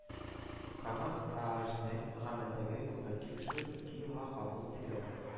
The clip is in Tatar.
“камаз” ааҗнең гамәлдәге күмәк килешүе ике елга кабул ителгән